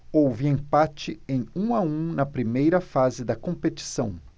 houve empate em um a um na primeira fase da competição